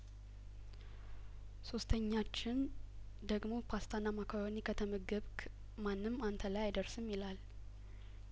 ሶስተኛችን ደግሞ ፓስታና ማካሮኒ ከተመገብክ ማንም አንተ ላይ አይደርስም ይላል